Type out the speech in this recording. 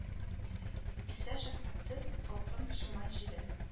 Исә шәфкатьсез, салкын шималь җиле